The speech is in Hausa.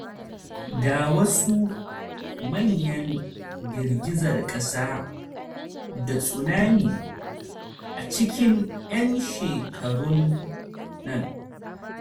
Ga wasu manyan girgizar ƙasa da tsunami a cikin 'yan shekarun nan: